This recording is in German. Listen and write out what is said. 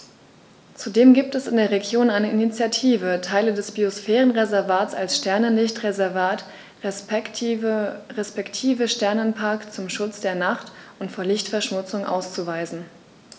Zudem gibt es in der Region eine Initiative, Teile des Biosphärenreservats als Sternenlicht-Reservat respektive Sternenpark zum Schutz der Nacht und vor Lichtverschmutzung auszuweisen.